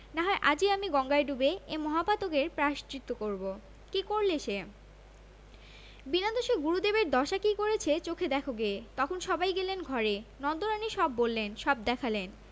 না হয় আজই আমি গঙ্গায় ডুবে এ মহাপাতকের প্রায়শ্চিত্ত করব কি করলে সে বিনা দোষে গুরুদেবের দশা কি করেছে চোখে দেখোগে তখন সবাই গেলেন ঘরে নন্দরানী সব বললেন সব দেখালেন